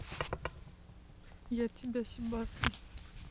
я от тебя сибаса